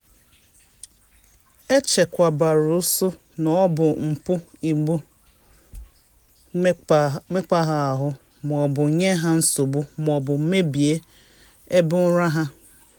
Echekwabara ụsụ na ọ bụ mpụ igbu, mekpa ha ahụ ma ọ bụ nye ha nsogbu ma ọ bụ mebie ebe ụra ha.